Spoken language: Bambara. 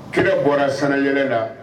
Kɛlɛ bɔra sɛnɛy la